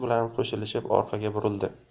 bilan qo'shilishib orqaga burildi